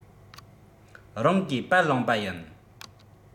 རང གིས པར བླངས པ ཡིན